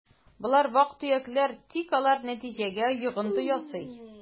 Болар вак-төякләр, тик алар нәтиҗәгә йогынты ясый: